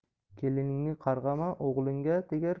keliningni qarg'ama o'g'lingga tegar